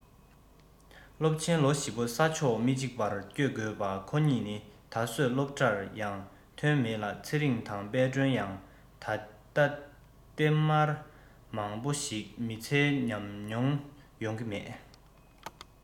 སློབ ཆེན ལོ བཞི པོ ས ཕྱོགས མི གཅིག པར བསྐྱོལ དགོས པ ཁོ གཉིས ནི ད གཟོད སློབ གྲྭ ཡང ཐོན མེད ལ ཚེ རིང དང དཔལ སྒྲོན ཡང དེ ལྟ སྟེ མར མང པོ ཞིག མི ཚེ མཉམ འཁྱོལ ཡོང གི མེད